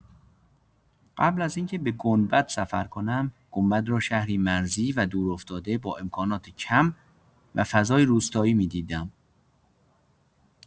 قبل از اینکه به گنبد سفر کنم، گنبد را شهری مرزی و دورافتاده، با امکانات کم و فضای روستایی می‌دیدم.